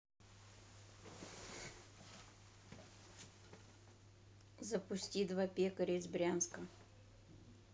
запусти два пекаря из брянска